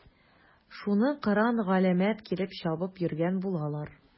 Шуны кыран-галәмәт килеп чабып йөргән булалар.